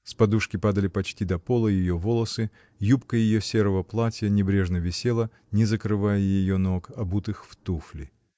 С подушки падали почти до пола ее волосы, юбка ее серого платья небрежно висела, не закрывая ее ног, обутых в туфли.